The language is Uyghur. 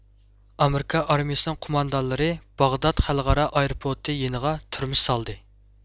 ئامېرىكا ئارمىيىسىنىڭ قوماندانلىرى باغداد خەلقئارا ئايروپورتى يېنىغا تۈرمە سالدى